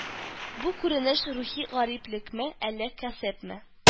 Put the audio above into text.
Бу күренеш рухи гариплекме, әллә кәсепме